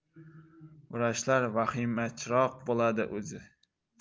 vrachlar vahimachiroq bo'ladi o'zi